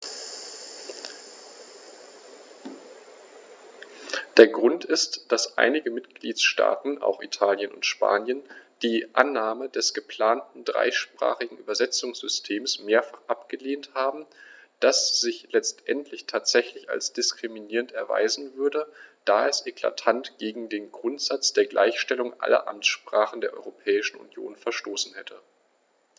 Der Grund ist, dass einige Mitgliedstaaten - auch Italien und Spanien - die Annahme des geplanten dreisprachigen Übersetzungssystems mehrfach abgelehnt haben, das sich letztendlich tatsächlich als diskriminierend erweisen würde, da es eklatant gegen den Grundsatz der Gleichstellung aller Amtssprachen der Europäischen Union verstoßen hätte.